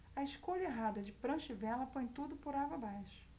a escolha errada de prancha e vela põe tudo por água abaixo